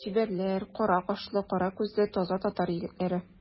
Чибәрләр, кара кашлы, кара күзле таза татар егетләре.